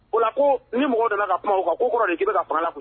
O la ko ni mɔgɔ donna ka kumaw kan k ko kɔrɔ k'i bɛ ka faa